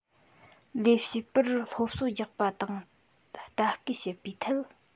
ལས བྱེད པར སློབ གསོ རྒྱག པ དང ལྟ སྐུལ བྱེད པའི ཐད